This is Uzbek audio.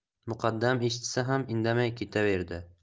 muqaddam eshitsa ham indamay ketaverdi